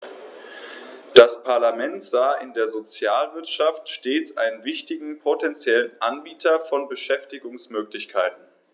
Das Parlament sah in der Sozialwirtschaft stets einen wichtigen potentiellen Anbieter von Beschäftigungsmöglichkeiten.